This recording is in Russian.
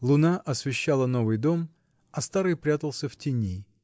Луна освещала новый дом, а старый прятался в тени.